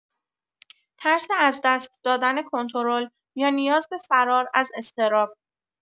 ترس از دست دادن کنترل یا نیاز به فرار از اضطراب